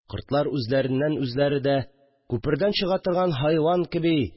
Кортлар үзләреннән үзләре дә, күпердән чыга торган хайван кеби